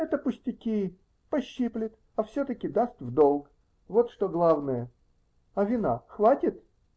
-- Это пустяки -- пощиплет, а все-таки даст в долг. Вот что главное. А вина хватит?